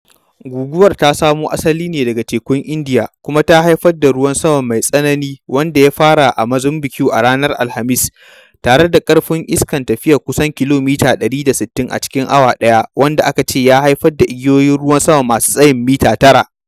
Guguwar ta samo asali ne daga Tekun Indiya, kuma ta haifar da ruwan sama mai tsanani wanda ya fara a Mozambique a ranar Alhamis, tare da ƙarfin iska na tafiyar kusan kilomita 160 a cikin awa ɗaya, wanda aka ce ya haifar da igiyoyin ruwa masu tsayin mita 9.